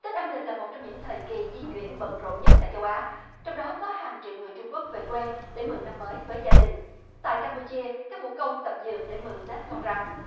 tết âm lịch là một trong những thời kì di chuyển bận rộn nhất tại châu á trong đó có hàng triệu người trung quốc về quê để mừng năm mới với gia đình tại cam pu chia các vũ công tập dượt để mừng tết con rắn